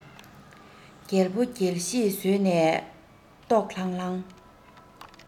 རྒྱལ པོ རྒྱལ གཞིས ཟོས ནས ལྟོགས ལྷང ལྷང